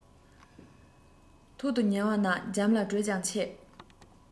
ཐོག ཏུ ཉལ བ ན འཇམ ལ དྲོད ཀྱང ཆེ